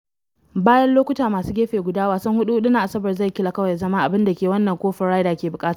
Bayan lokuta masu gefe guda, wasan huɗu-huɗu na Asabar zai kila kawai zama abin da ke wannan Kofin Ryder ke buƙata.